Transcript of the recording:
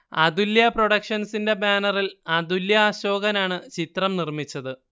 അതുല്യ പ്രൊഡക്ഷൻസിന്റെ ബാനറിൽ അതുല്യ അശോകനാണ് ചിത്രം നിർമ്മിച്ചത്